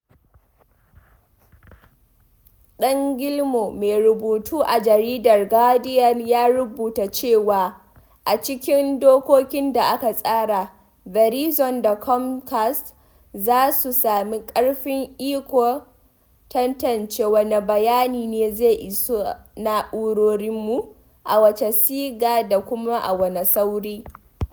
Dan Gillmor, mai rubutu a jaridar Guardian, ya rubuta cewa a cikin dokokin da aka tsaro, “Verizon da Comcast za su sami ƙarfin ikon tantance wane bayani ne zai isa na’urorinmu, a wace siga da kuma a wane sauri.”